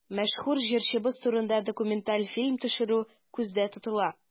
Мәшһүр җырчыбыз турында документаль фильм төшерү күздә тотыла.